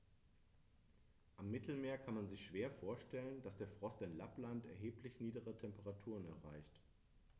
Am Mittelmeer kann man sich schwer vorstellen, dass der Frost in Lappland erheblich niedrigere Temperaturen erreicht.